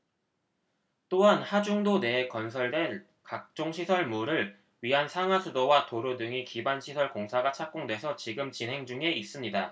또한 하중도 내에 건설될 각종 시설물을 위한 상하수도와 도로 등의 기반시설 공사가 착공돼서 지금 진행 중에 있습니다